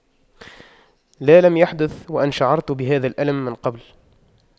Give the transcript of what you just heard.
لا لم يحدث وأن شعرت بهذا الألم من قبل